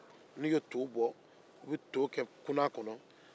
u bɛ to bɔ ka kɛ kunan kɔnɔ